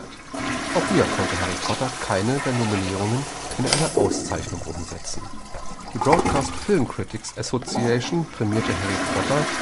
hier konnte Harry Potter keine der Nominierungen in eine Auszeichnung umsetzen. Die Broadcast Film Critics Association prämierte Harry Potter